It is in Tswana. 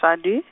sadi.